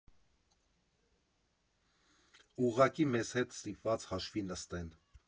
Ուղղակի մեզ հետ ստիպված հաշվի նստեն։